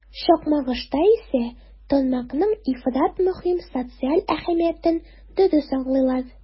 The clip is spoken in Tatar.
Чакмагышта исә тармакның ифрат мөһим социаль әһәмиятен дөрес аңлыйлар.